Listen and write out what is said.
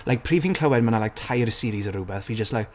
Like, pryd fi'n clywed ma' 'na like tair series o rwbeth, fi just like...